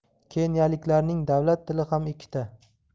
keniyaliklarning davlat tili ham ikkita